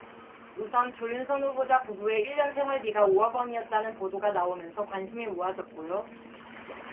우선 조윤선 후보자 부부의 일 년 생활비가 오 억 원이었다는 보도가 나오면서 관심이 모아졌고요